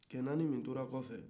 cɛ naani min tora kɔfɛ